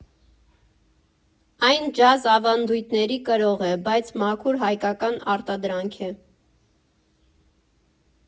Այն ջազ ավանդույթների կրող է, բայց մաքուր հայկական արտադրանք է։